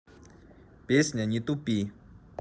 песня не тупи